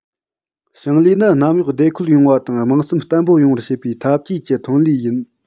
ཞིང ལས ནི གནམ འོག བདེ འཁོད ཡོང བ དང དམངས སེམས བརྟན པོ ཡོང བར བྱེད པའི འཐབ ཇུས ཀྱི ཐོན ལས ཡིན